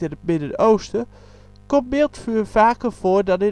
het Midden-Oosten) komt miltvuur vaker voor dan